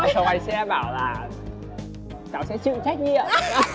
xong anh sẽ bảo là cháu sẽ chị trách nhiệm